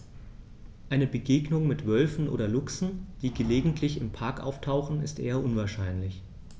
Eine Begegnung mit Wölfen oder Luchsen, die gelegentlich im Park auftauchen, ist eher unwahrscheinlich.